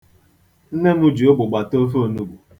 Nne m ji ụgbụgba te ofe onugbu.